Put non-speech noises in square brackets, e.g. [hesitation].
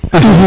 [hesitation] [hesitation]